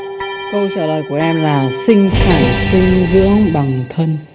câu trả lời của em là sinh sinh dưỡng bằng thân